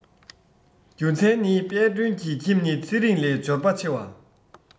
རྒྱུ མཚན ནི དཔལ སྒྲོན གྱི ཁྱིམ ནི ཚེ རིང ལས འབྱོར པ ཆེ བ